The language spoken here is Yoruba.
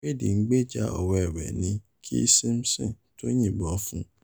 Wayde ń gbèjà ọ̀rẹ́ ẹ̀ ni kí Simpson tó yìnbọn fun un.